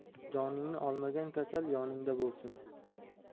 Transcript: joningni olmagan kasal yoningda bo'lsin